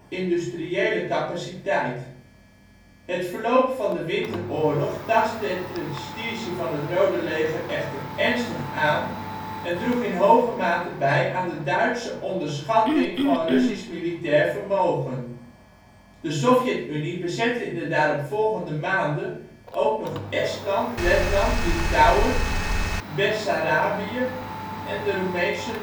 industriële capaciteit. Het verloop van de winteroorlog tastte het prestige van het Rode Leger echter ernstig aan en droeg in hoge mate bij aan de Duitse onderschatting van Ruslands militair vermogen. Finse skitroepen tijdens de Winteroorlog De Sovjet-Unie bezette in de daaropvolgende maanden ook nog Estland, Letland, Litouwen, Bessarabië en het Roemeense